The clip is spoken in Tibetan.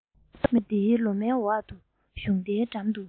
མེ ཏོག དེའི ལོ མའི འོག དང གཞུང རྟའི འགྲམ དུ